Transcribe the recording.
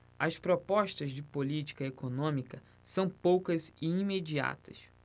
as propostas de política econômica são poucas e imediatas